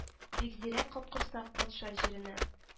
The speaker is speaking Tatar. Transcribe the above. Бикзирәк Капкорсак патша җиренә